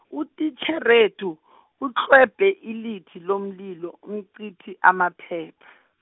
utitjherethu , utlwebhe ilithi lomlilo umcithi amaphepha.